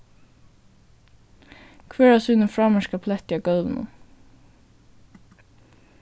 hvør á sínum frámerkta bletti á gólvinum